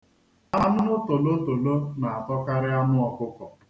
Anụ tolotolo na-atọkarị anụ ọkụkọ.